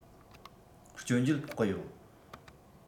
སྐྱོན བརྗོད ཕོག གི ཡོད